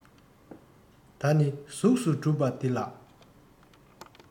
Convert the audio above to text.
ད ནི གཟུགས སུ གྲུབ པ འདི ལགས